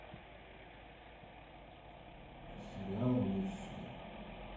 сериал нищий